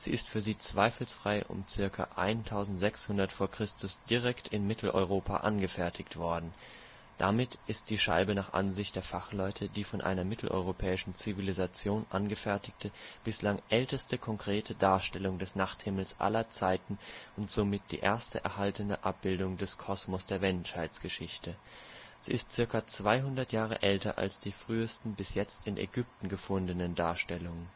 ist für sie zweifelsfrei um ca. 1 600 v. Chr. direkt in Mitteleuropa angefertigt worden. Damit ist die Scheibe nach Ansicht der Fachleute die von einer mitteleuropäischen Zivilisation angefertigte, bislang älteste konkrete Darstellung des Nachthimmels aller Zeiten und somit die erste erhaltene Abbildung des Kosmos der Menschheitsgeschichte. Sie ist ca. 200 Jahre älter als die frühesten bis jetzt in Ägypten gefundenen Darstellungen